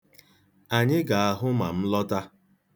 Anyị ga-ahụ ma m lọta.